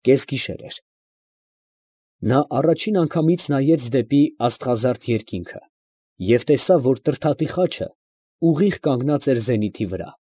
Կես գիշեր էր։ Նա առաջին անգամից նայեց դեպի աստղազարդ երկինքը և տեսավ, որ «Տրդատի խաչը» ուղիղ կանգնած էր զենիթի վրա։